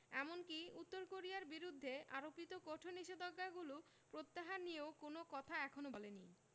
এমনকি উত্তর কোরিয়ার বিরুদ্ধে আরোপিত কঠোর নিষেধাজ্ঞাগুলো প্রত্যাহার নিয়েও কোনো কথা এখনো বলেনি